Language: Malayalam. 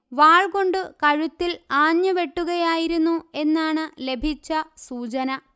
വാൾ കൊണ്ടു കഴുത്തിൽ ആഞ്ഞു വെട്ടുകയായിരുന്നു എന്നാണു ലഭിച്ച സൂചന